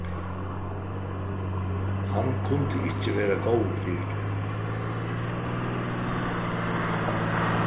hann kundi ikki vera góður fyri teg